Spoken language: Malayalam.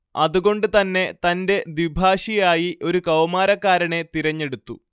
അതുകൊണ്ട് തന്നെ തന്റെ ദ്വിഭാഷിയായി ഒരു കൗമാരക്കാരനെ തിരഞ്ഞെടുത്തു